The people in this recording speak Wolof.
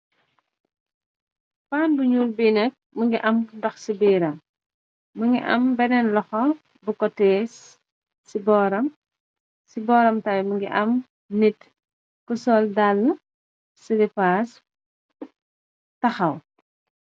Pan bu ñuul bi nak mugii dox ci biir ram mugii benen loxom bu ko teyeh ci bóram, si borom tam mugii am nit ku sol dalla silipàs taxaw.